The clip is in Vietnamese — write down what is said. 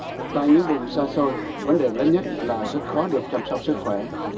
tại những vùng xa xôi vấn đề lớn nhất là rất khó được chăm sóc sức khỏe